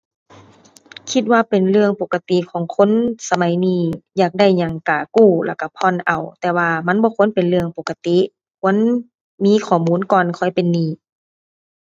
คิดว่าเป็นเรื่องปกติของคนสมัยนี้ อยากได้หยังก็กู้แล้วก็ผ่อนเอา แต่ว่ามันบ่ควรเป็นเรื่องปกติ ควรมีข้อมูลก่อนค่อยเป็นหนี้